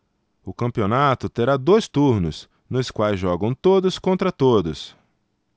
o campeonato terá dois turnos nos quais jogam todos contra todos